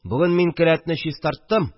Бүген мин келәтне чистарттым